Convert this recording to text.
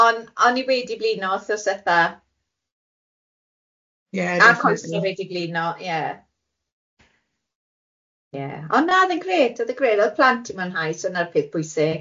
On- o'n i wedi blino wsthos dwetha... Ie. ...a constant wedi blino ie ie ond na o'dd e'n grêt o'dd e'n grêt o'dd plant di mynhau so na'r peth pwysig.